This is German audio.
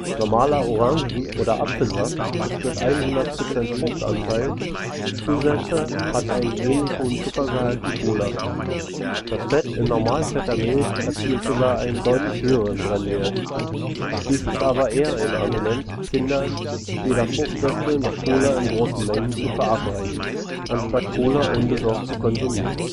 Normaler Orangen - oder Apfelsaft mit 100 Prozent Fruchtanteil ohne Zusätze hat einen ähnlich hohen Zuckergehalt wie Cola; das Fett in normalfetter Milch erzielt sogar einen deutlich höheren Brennwert. Dies ist aber eher ein Argument, Kindern weder Fruchtsäfte noch Cola in großen Mengen zu verabreichen, anstatt Cola unbesorgt zu konsumieren